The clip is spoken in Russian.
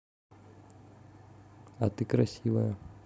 а ты красивая